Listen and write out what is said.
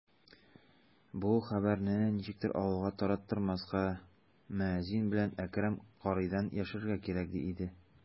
Бу хәбәрне ничектер авылга тараттырмаска, мәзин белән Әкрәм каридан яшерергә кирәк иде.